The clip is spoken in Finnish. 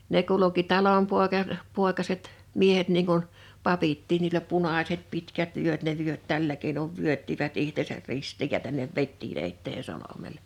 ne kulki talonpoika poikaset miehet niin kuin papitkin niillä punaiset pitkät vyöt ne vyöt tällä keinoin vyöttivät itsensä ristiin ja tänne vedettiin eteen solmulle